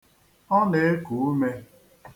Ọ na-eku ume.